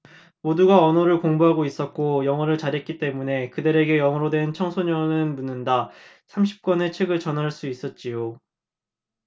모두가 언어를 공부하고 있었고 영어를 잘했기 때문에 그들에게 영어로 된 청소년은 묻는다 책 삼십 권을 전할 수 있었지요